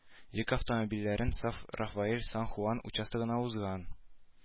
Йөк автомобильләре сан-рафаэль - сан-хуан участогын узган